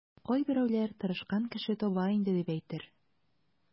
Кайберәүләр тырышкан кеше таба инде, дип әйтер.